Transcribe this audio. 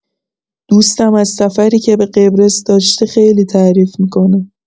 دوستم از سفری که به قبرس داشته خیلی تعریف می‌کنه.